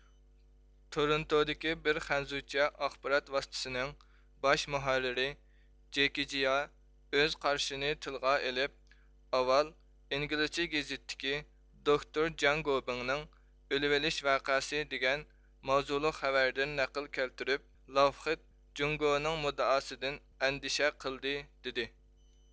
تۇرۇنتۇدىكى بىر خەنزۇچە ئاخبارات ۋاسىتىسىنىڭ باش مۇھەررىرى جېكېجىيا ئۆز قارىشىنى تىلغا ئېلىپ ئاۋۋال ئىنگلىزچە گېزىتتىكى دوكتور جياڭگوبىڭنىڭ ئۆلۈۋېلىش ۋەقەسى دېگەن ماۋزۇلۇق خەۋەردىن نەقىل كەلتۈرۈپ لافخىد جۇڭگونىڭ مۇددىئاسىدىن ئەندىشە قىلدى دېدى